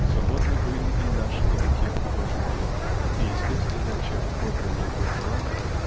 Свободны были и наши великие художники и естественно чем подлиннее был талант